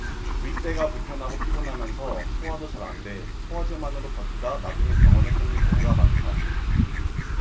윗배가 불편하고 피곤하면서 소화도 잘 안 돼 소화제만으로 버티다 나중에 병원을 찾는 경우가 많다